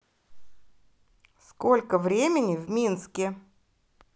сколько времени в минске